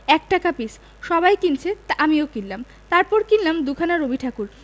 এক টাকা পিস সবাই কিনছে আমিও কিনলাম তারপর কিনলাম দু'খানা রবিঠাকুর